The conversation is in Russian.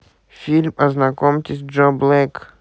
фильм знакомьтесь джо блэк